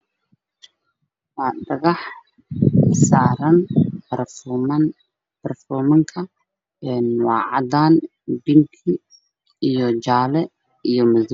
Waa dhagax ay saaran yihiin barafuuno barafuunad midabkoodu waa cadaan cadays modow